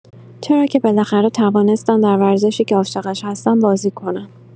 چرا که بالاخره توانستند در ورزشی که عاشقش هستند، بازی کنند.